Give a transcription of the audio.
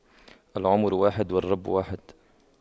العمر واحد والرب واحد